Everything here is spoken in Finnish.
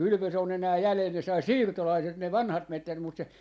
kylvös on enää jäljellä ne sai siirtolaiset ne vanhat metsät mutta se